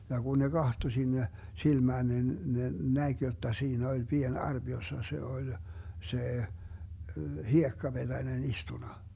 ja kun ne katsoi sinne silmään niin ne näki jotta siinä oli pieni arpi jossa se oli se hiekkapetänen istunut